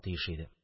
Тиеш иде.